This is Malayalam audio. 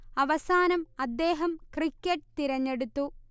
അവസാനം അദ്ദേഹം ക്രിക്കറ്റ് തിരെഞ്ഞെടുത്തു